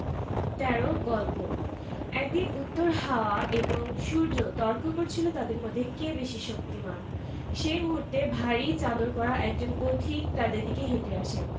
ঘুরতে ঘুরতে এক নেকড়ে একটা দলছুট ভেড়াকে একলা পেয়ে গেল নেকড়ের ইচ্ছে হল বেশ মহত্ব দেখায় ভেড়াটার উপর কোন হামলা না চালিয়ে বরং কিছু যুক্তি তর্ক দিয়ে